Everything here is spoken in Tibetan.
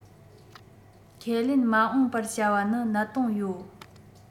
ཁས ལེན མ འོངས པར བྱ བ ནི གནད དོན ཡོད